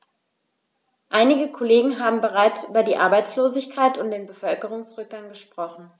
Einige Kollegen haben bereits über die Arbeitslosigkeit und den Bevölkerungsrückgang gesprochen.